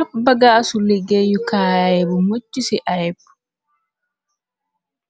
Ab bagaasu liggée yu kaay bu mëjc ci ayb